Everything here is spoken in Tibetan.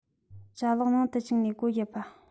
ཅ ལག ནང དུ བཅུག ནས སྒོ བརྒྱབ པ